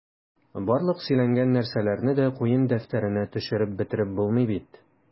Барлык сөйләнгән нәрсәләрне дә куен дәфтәренә төшереп бетереп булмый бит...